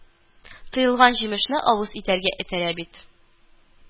Тыелган җимешне авыз итәргә этәрә бит